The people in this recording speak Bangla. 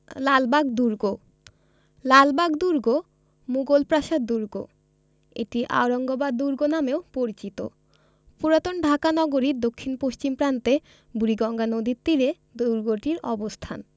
লালবাগ দুর্গ লালবাগ দুর্গ মুগল প্রাসাদ দুর্গ এটি আওরঙ্গাবাদ দুর্গ নামেও পরিচিত পুরাতন ঢাকা নগরীর দক্ষিণ পশ্চিম প্রান্তে বুড়িগঙ্গা নদীর তীরে দূর্গটির অবস্থান